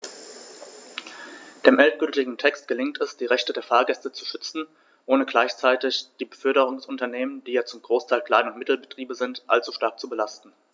Dem endgültigen Text gelingt es, die Rechte der Fahrgäste zu schützen, ohne gleichzeitig die Beförderungsunternehmen - die ja zum Großteil Klein- und Mittelbetriebe sind - allzu stark zu belasten.